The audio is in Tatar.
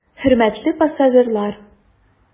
Хөрмәтле пассажирлар!